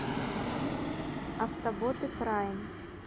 автоботы прайм